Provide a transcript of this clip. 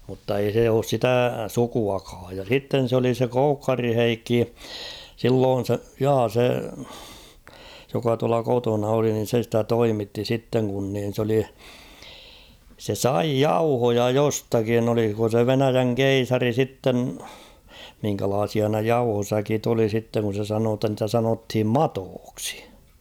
mutta ei se ole sitä sukuakaan ja sitten se oli se Koukkarin Heikki silloin se ja se joka tuolla kotona oli niin se sitä toimitti sitten kun niin se oli se sai jauhoja jostakin oliko se Venäjän keisari sitten minkälaisia ne jauhosäkit oli sitten kun se sanoi jotta niitä sanottiin matoiksi